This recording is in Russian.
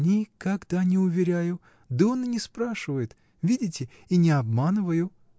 — Никогда не уверяю, да он и не спрашивает. Видите, и не обманываю!